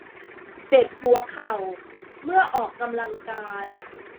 เจ็บหัวเข่าเมื่อออกกำลังกาย